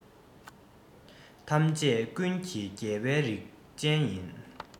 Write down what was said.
ཐམས ཅད ཀུན ལས རྒྱལ བའི རིག ཅན ཡིན